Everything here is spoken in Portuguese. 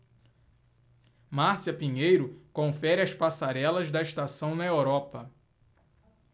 márcia pinheiro confere as passarelas da estação na europa